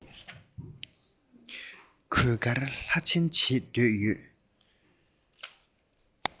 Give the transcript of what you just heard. གོས དཀར ལྷ ཆེ བྱེད འདོད ཡོད